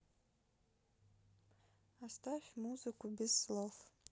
оставь музыку без слов